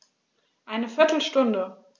Eine viertel Stunde